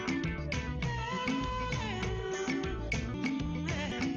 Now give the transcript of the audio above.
Maa